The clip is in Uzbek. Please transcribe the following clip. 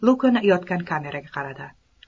lukn yotgan kameraga qaradi